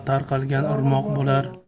tarqalgan irmoq bo'lar